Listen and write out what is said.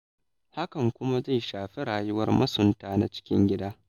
Hakan kuma zai shafi rayuwar masunta na cikin gida.